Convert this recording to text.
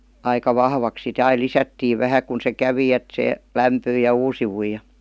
aika vahvaksi sitten aina lisättiin vähän kun se kävi että se lämpyi ja uusiutui ja